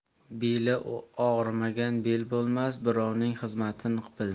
beli og'rimagan bel bo'lmas birovning xizmatin bilmas